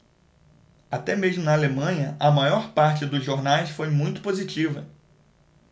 até mesmo na alemanha a maior parte dos jornais foi muito positiva